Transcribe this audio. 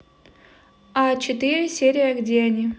а четыре серия где они